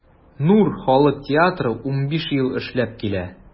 “нур” халык театры 15 ел эшләп килә.